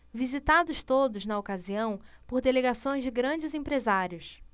visitados todos na ocasião por delegações de grandes empresários